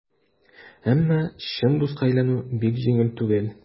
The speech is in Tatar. Әмма чын дуска әйләнү бик җиңел түгел.